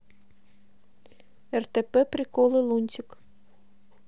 ртп приколы лунтик